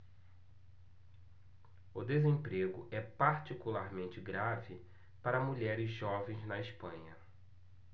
o desemprego é particularmente grave para mulheres jovens na espanha